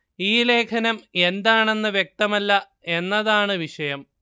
ഈ ലേഖനം എന്താണെന്ന് വ്യക്തമല്ല എന്നതാണ് വിഷയം